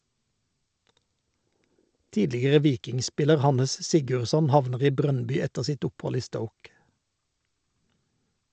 Tidligere Viking-spiller Hannes Sigurdsson havner i Brøndby etter sitt opphold i Stoke.